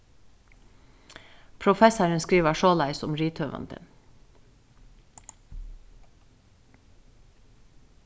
professarin skrivar soleiðis um rithøvundin